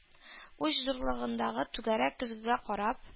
Уч зурлыгындагы түгәрәк көзгегә карап